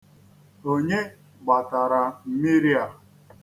Onye gbatara mmiri a?